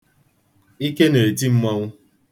Ike na-eti mmọnwụ.